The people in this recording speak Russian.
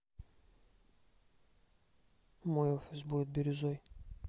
мой офис будет бирюзой